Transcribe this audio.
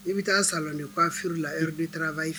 I bɛ taa sa' la tarawele